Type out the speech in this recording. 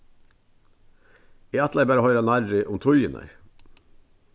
eg ætlaði bara at hoyra nærri um tíðirnar